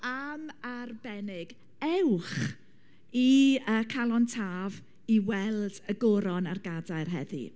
Am arbennig, ewch i yy calon Taf i weld y goron a'r gadair heddi.